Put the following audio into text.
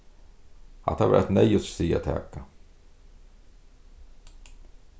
hatta var eitt neyðugt stig at taka